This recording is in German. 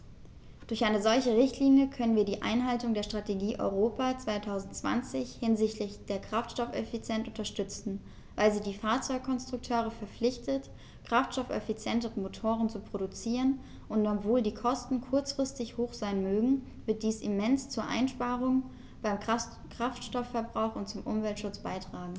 Durch eine solche Richtlinie können wir die Einhaltung der Strategie Europa 2020 hinsichtlich der Kraftstoffeffizienz unterstützen, weil sie die Fahrzeugkonstrukteure verpflichtet, kraftstoffeffizientere Motoren zu produzieren, und obwohl die Kosten kurzfristig hoch sein mögen, wird dies immens zu Einsparungen beim Kraftstoffverbrauch und zum Umweltschutz beitragen.